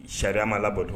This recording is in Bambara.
Sariya ma labɔto